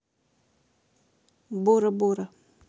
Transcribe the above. бора бора